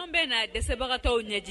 Anw bɛ na dɛsɛbagatɔw ɲɛji